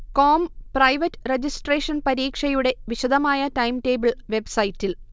com private registration പരീക്ഷയുടെ വിശദമായ timetable വെബ്സൈറ്റിൽ